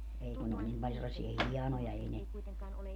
ei kun ne oli niin paljon sellaisia hienoja ei ne